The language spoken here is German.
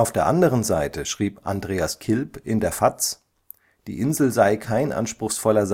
der anderen Seite schrieb Andreas Kilb in der FAZ, Die Insel sei kein anspruchsvoller